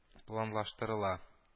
Планлаштырыла